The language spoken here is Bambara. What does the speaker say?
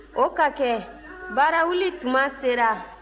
o ka kɛ baarawuli tuma sera